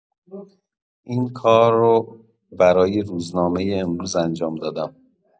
این کار رو برای روزنامۀ امروز انجام دادم.